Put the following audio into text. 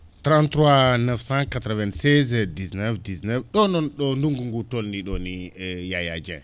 33 996 19 19 ?o noon ?o ndunngu ngu tolnii ?oo nii Yaya Dieng